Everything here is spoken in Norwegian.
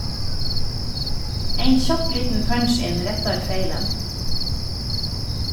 Ein kjapp liten punch-in rettar feilen.